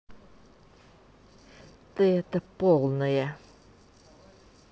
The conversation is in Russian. ты это полное